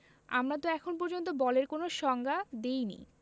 আমরা তো এখন পর্যন্ত বলের কোনো সংজ্ঞা দিইনি